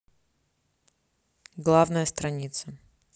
главная страница